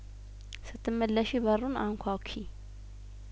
ስትመለሺ በሩን አንኳኲ